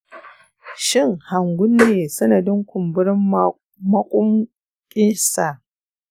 shin hangum ne sanadin kumburin muƙamuƙinsa?